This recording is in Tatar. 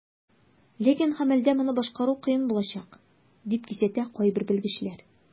Ләкин гамәлдә моны башкару кыен булачак, дип кисәтә кайбер белгечләр.